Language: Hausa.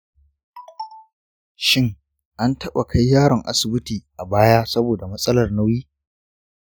shin an taɓa kai yaron asibiti a baya saboda matsalar nauyi?